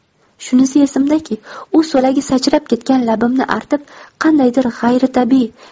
shunisi esimdaki u so'lagi sachrab ketgan labini artib qandaydir g'ayritabiiy